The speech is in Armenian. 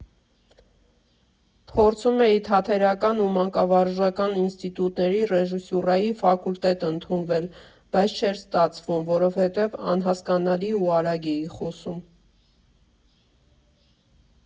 Փորձում էի թատերական ու մանկավարժական ինստիտուտների ռեժիսուրայի ֆակուլտետ ընդունվել, բայց չէր ստացվում, որովհետև անհասկանալի ու արագ էի խոսում։